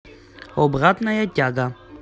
обратная тяга